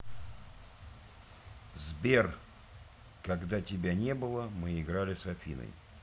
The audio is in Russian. сбер когда тебя не было мы играли с афиной